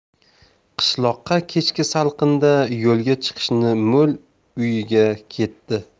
qishloqqa kechki salqinda yo'lga chiqishni mo'l uyiga ketdi